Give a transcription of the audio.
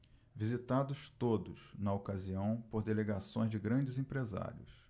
visitados todos na ocasião por delegações de grandes empresários